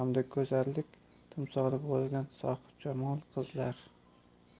o'yini hamda go'zallik timsoli bo'lgan sohibjamol qizlar